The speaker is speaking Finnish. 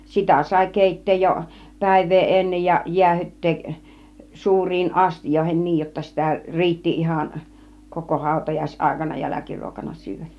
sitä sai keittää jo päivää ennen ja jäähdyttää suuriin astioihin niin jotta sitä riitti ihan koko - hautajaisaikana jälkiruokana syödä